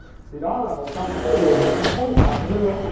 thì đó là một trong những cái điều mà nó hối hận đấy cô